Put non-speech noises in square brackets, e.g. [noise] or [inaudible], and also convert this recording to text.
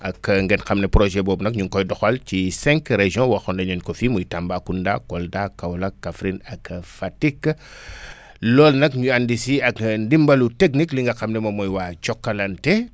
ak ngeen xam ne projet boobu nag ñu ngi koy doxal ci cinq régions waxoon nañ leen ko fi muy Tambacounda Kolda Kaolack Kaffrine ak Fatick [breath] loolu nag énu ànd si ak nfimbalu technique li nga xam ne moom mooy waa Jokalante